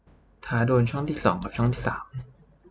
ท้าดวลช่องที่สองกับช่องที่สาม